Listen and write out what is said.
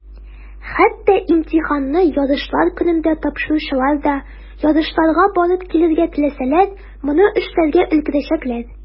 Хәтта имтиханны ярышлар көнендә тапшыручылар да, ярышларга барып килергә теләсәләр, моны эшләргә өлгерәчәкләр.